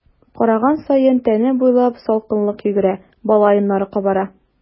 Караган саен тәне буйлап салкынлык йөгерә, бала йоннары кабара.